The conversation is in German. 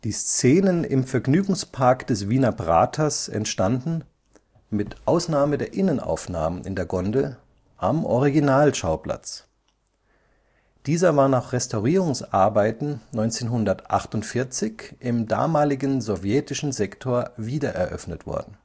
Szenen im Vergnügungspark des Wiener Praters entstanden – mit Ausnahme der Innenaufnahmen in der Gondel – am Originalschauplatz. Dieser war nach Restaurierungsarbeiten 1948 im damaligen sowjetischen Sektor wiedereröffnet worden